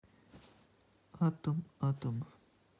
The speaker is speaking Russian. атом атом